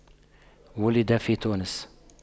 ولد في تونس